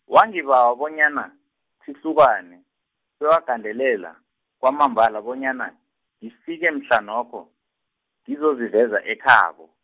wangibawa bonyana, sihlukane, bewagandelela, kwamambala bonyana, ngifike mhlanokho, ngizoziveza ekhabo.